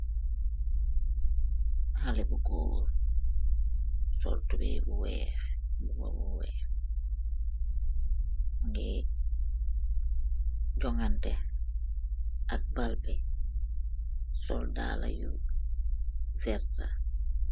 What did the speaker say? Xale bu gor ,sol tubay bu wex, mbuba bu wex, minge jogante ak balbi, sol dala yu werta.